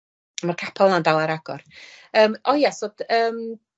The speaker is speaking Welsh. A ma' capel 'na'n dal ar agor. Yym o ie so dy- yym